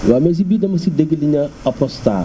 waaw mais si biir tamit dama dégg li ñu naan Apronstar